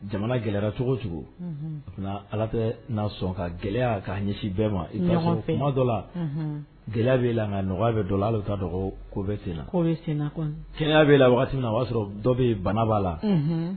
Jamana gɛlɛyayara cogo cogo a tɛna ala tɛ na sɔn ka gɛlɛya kaa ɲɛsin bɛɛ ma dɔ la gɛlɛya bɛ la ka nɔgɔya bɛ dɔ la bɛ taa dɔgɔ ko bɛ sen ko sen tiɲɛ bɛ la waati o y'a sɔrɔ dɔ bɛ bana bba la